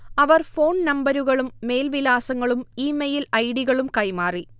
അവർ ഫോൺനമ്പരുകളും മേൽവിലാസങ്ങളും ഇമെയിൽ ഐഡികളും കൈമാറി